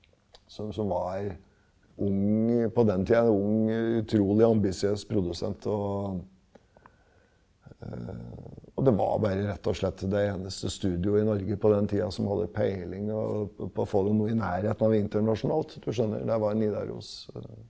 som som var ung på den tida ung utrolig ambisiøs produsent og og det var bare rett og slett det eneste studio i Norge på den tida som hadde peiling og på få det noe i nærheten av internasjonalt, du skjønner det var Nidaros .